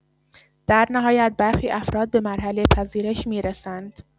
در نهایت برخی افراد به مرحله پذیرش می‌رسند.